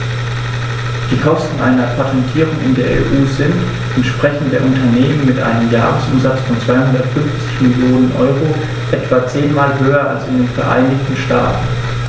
Die Kosten einer Patentierung in der EU sind, entsprechend der Unternehmen mit einem Jahresumsatz von 250 Mio. EUR, etwa zehnmal höher als in den Vereinigten Staaten.